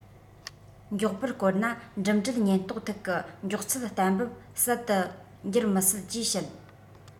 མགྱོགས པོར བསྐོར ན འགྲིམ འགྲུལ ཉེན རྟོག ཐིག གི མགྱོགས ཚད གཏན འབེབ སད དུ འགྱུར མི སྲིད ཅེས བཤད